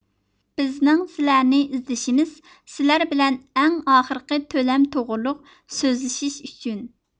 بىزنىڭ سىلەرنى ئىزدىشىمىز سىلەر بىلەن ئەڭ ئاخىرقى تۆلەم توغرۇلۇق سۆزلىشىش ئۈچۈن